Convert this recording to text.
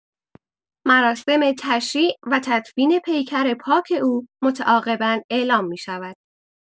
مراسم تشییع و تدفین پیکر پاک او متعاقبا اعلام می‌شود.